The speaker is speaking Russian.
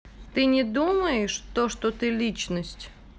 ты не думаешь то что ты личность